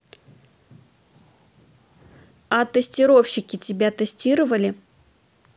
а тестировщики тебя тестировали